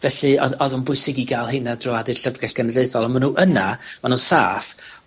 Felly, odd, odd o'n bwysig i ga'l rheina drawad i'r Llyfrgell Genedlaethol, a ma' nw yna, ma' nw'n saff,